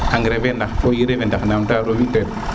engrais ndax fo ire fe nam te waru fi tel